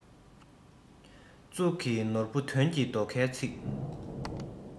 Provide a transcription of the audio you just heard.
གཙུག གི ནོར བུ དོན གྱི རྡོ ཁའི ཚིག